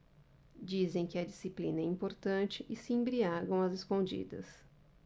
dizem que a disciplina é importante e se embriagam às escondidas